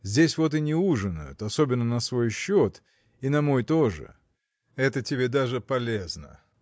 Здесь вот и не ужинают, особенно на свой счет, и на мой тоже. Это тебе даже полезно